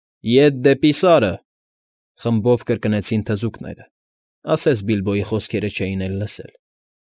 Ետ դեպի Սարը,֊ խմբով կրկնեցին թզուկները, ասես Բիլբոյի խոսքերը չէին էլ լսել։